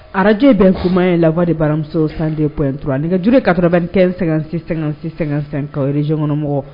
Araj bɛn kuma in la waa de baramuso san de p dɔrɔn nin kauru katobalikɛ sɛgɛn-sɛ-sɛ san zkɔnɔmɔgɔ